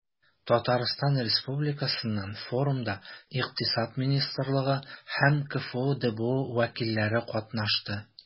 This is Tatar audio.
Татарстан Республикасыннан форумда Икътисад министрлыгы һәм КФҮ ДБУ вәкилләре катнашты.